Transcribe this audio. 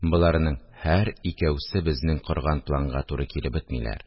Боларның һәр икәүсе безнең корган планга туры килеп бетмиләр